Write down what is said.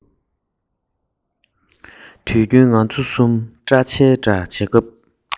དུས རྒྱུན ང ཚོ གསུམ པྲ ཆལ འདྲ བྱེད སྐབས